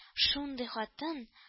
Шундый хатын